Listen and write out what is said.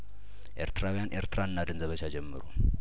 ኤርትራውያን ኤርትራን እናድን ዘመቻ ጀመሩ